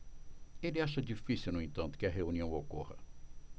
ele acha difícil no entanto que a reunião ocorra